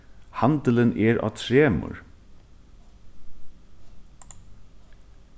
handilin er á tremur